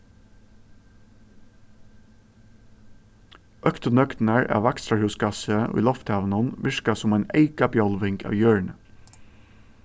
øktu nøgdirnar av vakstrarhúsgassi í lofthavinum virka sum ein eyka bjálving av jørðini